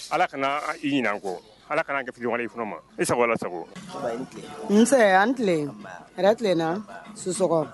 Ala kana i ɲin an kɔ ala kana gariɲɔgɔn i ma i sago sago an tilen yɛrɛ tilen na su